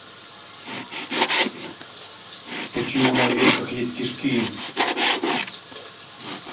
почему на ветках есть кишки